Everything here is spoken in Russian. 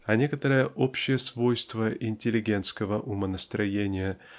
а некоторое общее свойство интеллигентского умонастроения